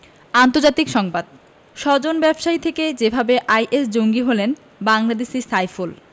আন্তর্জাতিক সংবাদ সজন ব্যবসায়ী থেকে যেভাবে আইএস জঙ্গি হলেন বাংলাদেশি সাইফুল